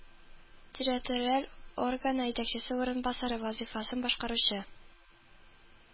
Территориаль органы итәкчесе урынбасары вазыйфасын башкаручы